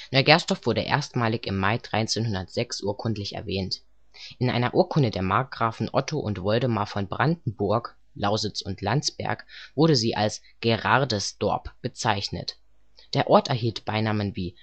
Neugersdorf wurde erstmalig im Mai 1306 urkundlich erwähnt. In einer Urkunde der Markgrafen Otto und Woldemar von Brandenburg, Lausitz und Landsberg wurde sie als Gherardesdorpp bezeichnet. Der Ort erhielt Beinamen wie